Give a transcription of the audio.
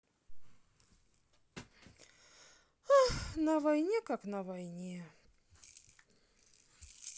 на войне как на войне